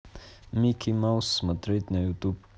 микки маус смотреть на ютубе